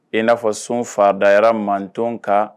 I na fɔ sun faridayara mantɔnw kan.